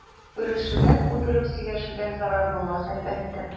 Күрешүдән, утырып сөйләшүдән зарар булмас әлбәттә.